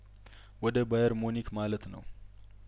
ወደ ባየር ሙኒክ ማለት ነው